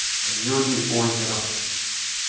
юрий озеров